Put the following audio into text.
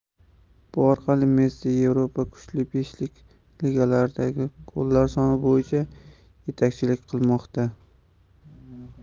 bu orqali messi yevropa kuchli beshlik ligalaridagi gollar soni bo'yicha yetakchilik qilmoqda